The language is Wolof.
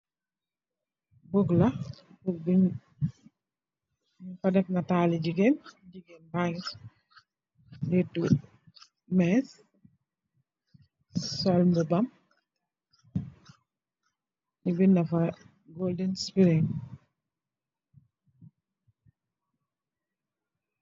Buuk la, buuk bi ñung fa def nataali jigéen, jigéen baa ngi lëëtu méés, sol mbubbam, yu ñu bindë fa"Golden Spray".